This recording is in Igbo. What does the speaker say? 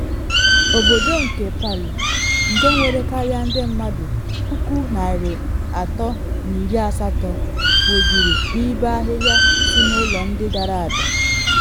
Obodo nke Palu, nke nwere karịa ndị mmadụ 380,000, kpojuru n’ibe ahịhịa si na ụlọ ndị dara ada.